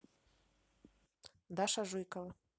даша жуйкова